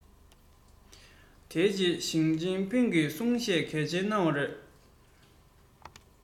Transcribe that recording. དེ རྗེས ཞིས ཅིན ཕིང གིས གསུང བཤད གལ ཆེན གནང བ རེད